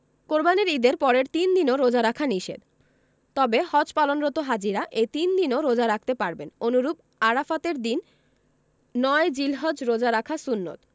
কোরবানির ঈদের পরের তিন দিনও রোজা রাখা নিষেধ তবে হজ পালনরত হাজিরা এই তিন দিনও রোজা রাখতে পারবেন অনুরূপ আরাফাতের দিন ৯ জিলহজ রোজা রাখা সুন্নত